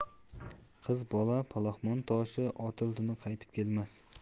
qiz bola palaxmon toshi otildimi qaytib kelmas